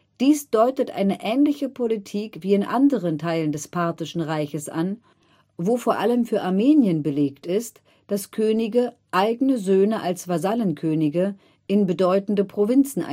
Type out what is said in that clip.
Dies deutet eine ähnliche Politik wie in anderen Teilen des parthischen Reiches an, wo vor allem für Armenien belegt ist, dass Könige eigene Söhne als Vassallenkönige in bedeutende Provinzen einsetzten